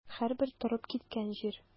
Һәрбер торып киткән җир.